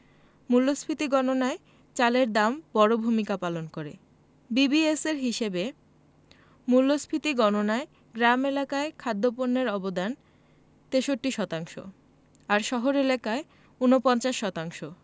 মূল্যস্ফীতি গণনায় চালের দাম বড় ভূমিকা পালন করে বিবিএসের হিসেবে মূল্যস্ফীতি গণনায় গ্রাম এলাকায় খাদ্যপণ্যের অবদান ৬৩ শতাংশ আর শহর এলাকায় ৪৯ শতাংশ